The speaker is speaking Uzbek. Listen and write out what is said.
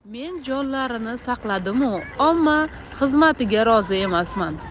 men jonlarini saqladimu omma xizmatimga rozi emasman